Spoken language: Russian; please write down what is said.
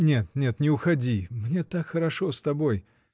— Нет, нет, не уходи: мне так хорошо с тобой!